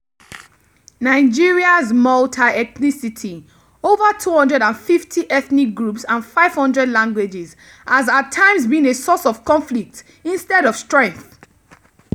Nigeria’s multi-ethnicity – over 250 ethnic groups and 500 languages – has at times been a source of conflict instead of strength.